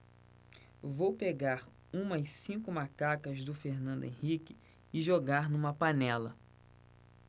vou pegar umas cinco macacas do fernando henrique e jogar numa panela